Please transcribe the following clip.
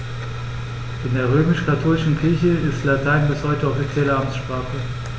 In der römisch-katholischen Kirche ist Latein bis heute offizielle Amtssprache.